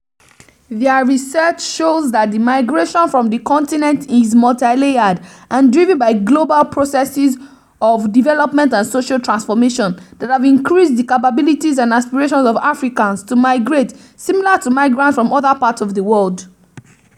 Their research shows that migration from the continent is multi-layered and driven by global "processes of development and social transformation" that have increased the "capabilities and aspirations" of Africans’ to migrate — similar to migrants from other parts of the world.